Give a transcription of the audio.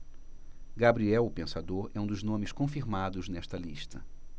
gabriel o pensador é um dos nomes confirmados nesta lista